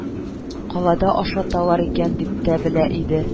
Калада ашаталар икән дип тә белә иде